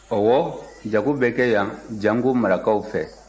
ɔwɔ jago bɛ kɛ yan janko marakaw fɛ